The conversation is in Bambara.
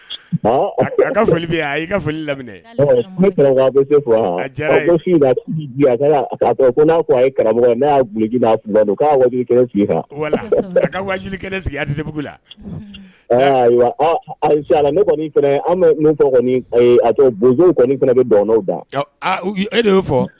Foli a ka foli lam a karamɔgɔ ne ka wa ne sigi abugu la ayiwa ayi kɔni fana bɛ bɔnw da e yo fɔ